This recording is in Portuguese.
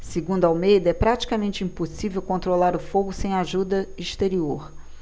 segundo almeida é praticamente impossível controlar o fogo sem ajuda exterior